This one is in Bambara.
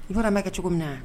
N fɔra bɛ kɛ cogo min na